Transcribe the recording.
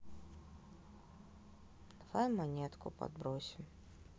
давай монетку подбросим